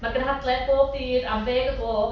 Ma'r gynhadledd bob dydd am ddeg o'r gloch.